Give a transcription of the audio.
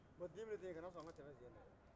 ɔ di miniti in ka na sɔn a ka tɛmɛ o kan dɛ